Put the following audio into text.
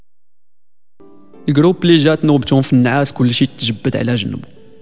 جروب لا جاتنا في النهايه كل شيء الاجنبي